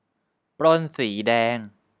ปล้นสีแดง